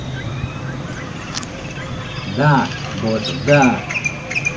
да боже да